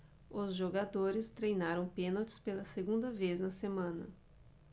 os jogadores treinaram pênaltis pela segunda vez na semana